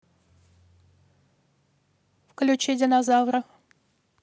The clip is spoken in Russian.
включи динозавра